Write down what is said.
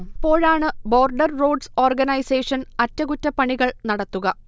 അപ്പോഴാണ് border roads organisation അറ്റകുറ്റപ്പണികൾ നടത്തുക